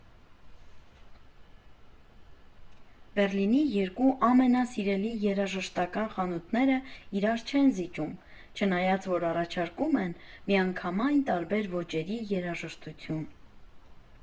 Բեռլինի երկու ամենասիրելի երաժշտական խանութները իրար չեն զիջում՝ չնայած որ առաջարկում են միանգամայն տարբեր ոճերի երաժշտություն։